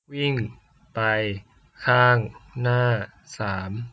วิ่งไปข้างหน้าสาม